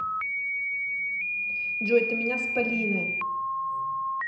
джой ты меня с полиной